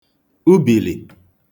ubìlì